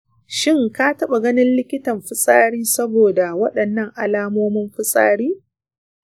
shin ka taɓa ganin likitan fitsari saboda waɗannan alamomin fitsari?